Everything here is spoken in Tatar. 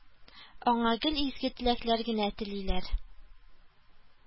Аңа гел изге теләкләр генә телиләр